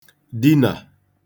dinà